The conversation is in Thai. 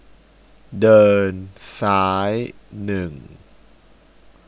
เดินซ้ายหนึ่ง